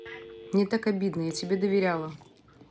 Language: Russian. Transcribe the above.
мне так обидно я тебе доверяла